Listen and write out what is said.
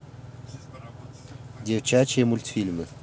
девчачие мультфильмы